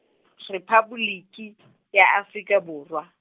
Rephaboliki , ya Afrika Borwa.